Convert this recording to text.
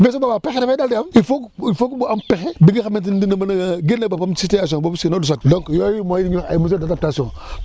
mais su boobaa pexe dafay daal di am il foog foog mu am pexe bi nga xamante ni dina mën a génne boppam ci situation boobu sinon du sotti donc yooyu mooy yi ñuy wax ay mesures d' adaptation